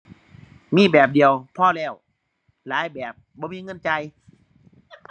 มีแบบเดียวพอแล้ว หลายแบบบ่มีเงินจ่าย